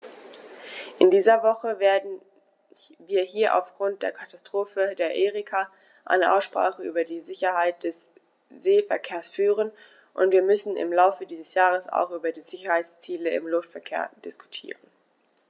In dieser Woche werden wir hier aufgrund der Katastrophe der Erika eine Aussprache über die Sicherheit des Seeverkehrs führen, und wir müssen im Laufe dieses Jahres auch über die Sicherheitsziele im Luftverkehr diskutieren.